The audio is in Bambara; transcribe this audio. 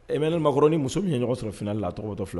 Emanuel Macron ni muso min ye ɲɔgɔn sɔrɔ finale la a tɔgɔ bɔtɔ filɛ